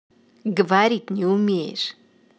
говорить не умеешь